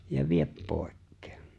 ja vie pois